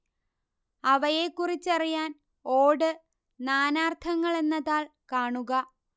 അവയെക്കുറിച്ചറിയാൻ ഓട് നാനാർത്ഥങ്ങൾ എന്ന താൾ കാണുക